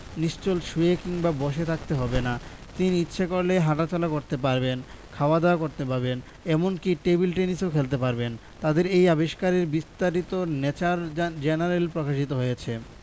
নিশ্চল শুয়ে কিংবা বসে থাকতে হবে না তিনি ইচ্ছে করলে হাটাচলা করতে পারবেন খাওয়া দাওয়া করতে পারবেন এমনকি টেবিল টেনিসও খেলতে পারবেন তাদের এই আবিষ্কারের বিস্তারিত ন্যাচার জেনারেল প্রকাশিত হয়েছে